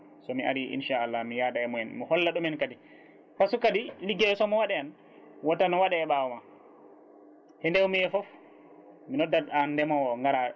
somi aari inchallah mi yaada e mumen mi holla ɗumen kadi par ce que kadi ligguey o somo waɗe hen wodat tan ne waɗe ɓaawo ma hedewmi foof mi noddat an ndeemowo gara